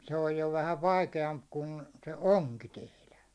se on jo vähän vaikeampi kuin se onki tehdä